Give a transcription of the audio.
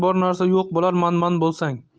bor narsa yo'q bo'lar manman bo'lsang